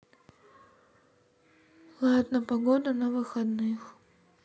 ладно погода на выходных